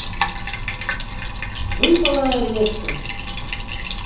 выпала орешка